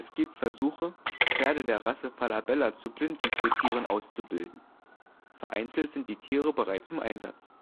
gibt Versuche, Pferde der Rasse Falabella zu Blindenführtieren auszubilden. Vereinzelt sind die Tiere bereits im Einsatz